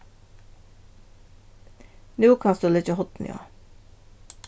nú kanst tú leggja hornið á